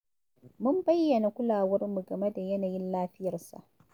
Mun bayyana kulawarmu game da yanayin lafiyarsa.